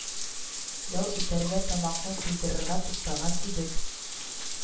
Ял итәргә, тамакны туйдырырга туктаган идек